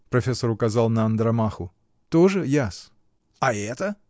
— профессор указал на Андромаху. — Тоже я-с. — А это?